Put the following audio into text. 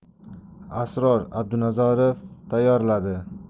asror abdunazarov tayyorladi